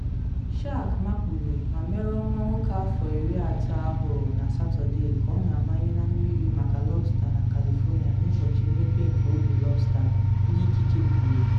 Shark makpuru ma merụọ nwa nwoke afọ 13 ahụ na Satọde ka ọ na amanye na mmiri maka lọbsta na California n’ụbọchị mmepe nke oge lọbsta, ndị ikike kwuru.